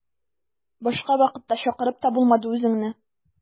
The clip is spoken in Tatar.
Башка вакытта чакырып та булмады үзеңне.